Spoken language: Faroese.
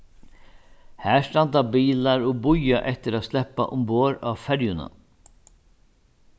har standa bilar og bíða eftir at sleppa umborð á ferjuna